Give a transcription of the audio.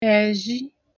ẹ̀zhi